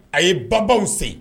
A ye babaw sen